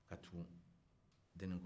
ka tugu deni ko